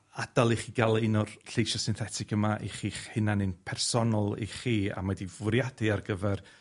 adal i chi gael un o'r lleisia' synthetic yma i chi'ch hunan un personol i chi, a mae 'di fwriadu ar gyfer